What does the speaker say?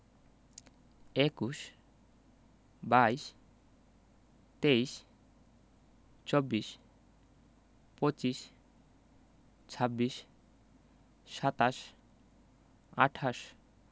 ২১ – একুশ ২২ – বাইশ ২৩ – তেইশ ২৪ – চব্বিশ ২৫ – পঁচিশ ২৬ – ছাব্বিশ ২৭ – সাতাশ ২৮ - আটাশ